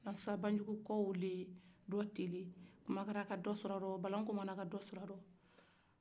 o nasabanjuku kɔ o de la cilen kumakra ka dɔ sɔrɔ a la balan komana ka dɔ sɔrɔ a la